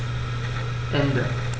Ende.